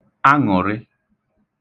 aṅụ̀rị